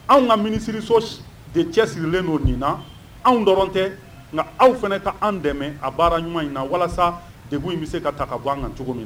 Anw ka minisiriso si de cɛ sirilen don nin na, anw dɔrɔn tɛ nka aw fana ka an dɛmɛ a baara ɲuman in na walasa degun in bɛ se ka ta ka bɔ an ka cogo min na.